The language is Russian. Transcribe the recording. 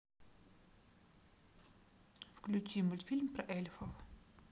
включи мультфильм про эльфов